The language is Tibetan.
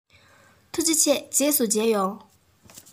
ཐུགས རྗེ ཆེ རྗེས སུ མཇལ ཡོང